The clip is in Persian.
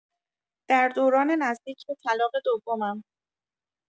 در دوران نزدیک به طلاق دومم